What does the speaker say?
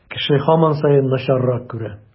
Кеше һаман саен начаррак күрә.